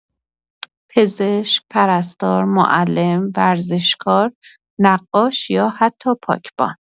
پزشک، پرستار، معلم، ورزشکار، نقاش یا حتی پاکبان.